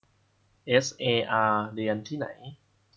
เอเอสอาร์เรียนที่ไหน